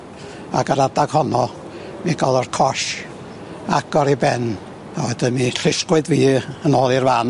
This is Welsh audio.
ag yr adag honno mi gafodd y coche agor i ben a wedyn mi llusgwyd fi yn ôl i'r fan.